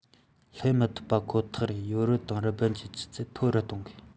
སླེབས མི ཐུབ པ ཁོ ཐག རེད ཡོ རོབ དང རི པིན གྱི ཆུ ཚད མཐོ རུ གཏོང དགོས